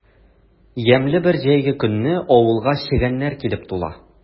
Ямьле бер җәйге көнне авылга чегәннәр килеп тула.